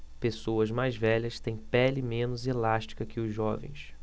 pessoas mais velhas têm pele menos elástica que os jovens